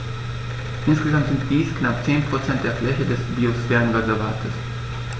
Insgesamt sind dies knapp 10 % der Fläche des Biosphärenreservates.